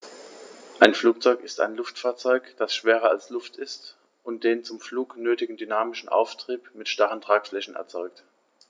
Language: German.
Ein Flugzeug ist ein Luftfahrzeug, das schwerer als Luft ist und den zum Flug nötigen dynamischen Auftrieb mit starren Tragflächen erzeugt.